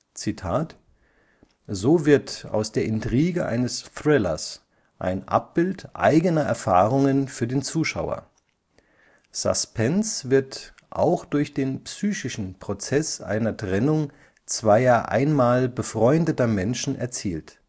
ziehen könnte: „ So wird aus der Intrige eines Thrillers ein Abbild eigener Erfahrungen für den Zuschauer. Suspense wird […] auch durch den psychischen Prozeß einer Trennung zweier einmal befreundeter Menschen [erzielt